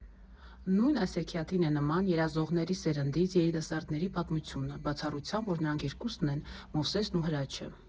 Նույն այս հեքիաթին է նման «երազողների սերնդից» երիտասարդների պատմությունը, բացառությամբ, որ նրանք երկուսն են՝ Մովսեսն ու Հրաչը։